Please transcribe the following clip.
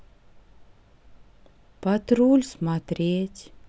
патруль смотреть